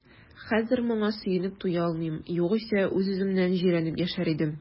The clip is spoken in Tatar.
Хәзер моңа сөенеп туя алмыйм, югыйсә үз-үземнән җирәнеп яшәр идем.